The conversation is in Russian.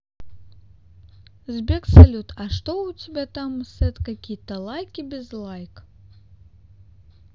сбер салют а что у тебя там стоят какие то лайки без like